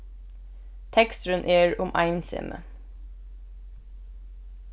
teksturin er um einsemi